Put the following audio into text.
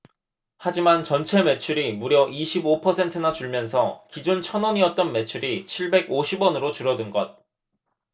하지만 전체 매출이 무려 이십 오 퍼센트나 줄면서 기존 천 원이었던 매출이 칠백 오십 원으로 줄어든 것